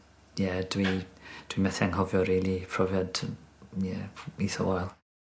ie dwi dwi methu anghofio rili profiad yym ie itha wael.